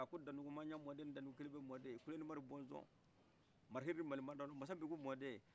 a ko danuku maɲɔn mɔden danuku kelebe mɔden fileni maru bɔzɔn mari heli ni mari maladɔn